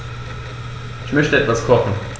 Ich möchte etwas kochen.